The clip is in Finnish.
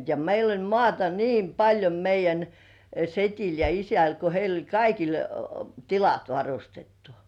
ja meillä oli maata niin paljon meidän sedillä ja isällä kun heillä oli kaikilla tilat varustettu